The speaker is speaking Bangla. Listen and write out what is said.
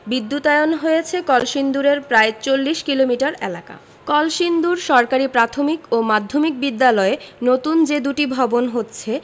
বিদ্যুতায়ন হয়েছে কলসিন্দুরের প্রায় ৪০ কিলোমিটার এলাকা কলসিন্দুর সরকারি প্রাথমিক ও মাধ্যমিক বিদ্যালয়ে নতুন যে দুটি ভবন হচ্ছে